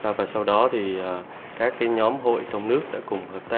và và sau đó thì các cái nhóm hội trong nước đã cùng hợp tác